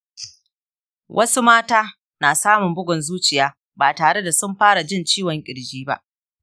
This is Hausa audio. wasu mata na samun bugun zuciya ba tare da sun fara jin ciwon ƙirji ba.